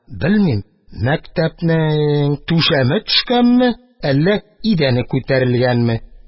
Белмим, мәктәпнең түшәме төшкәнме, әллә идәне күтәрелгәнме?